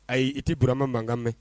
Ayi i tɛ Burama mankan mɛn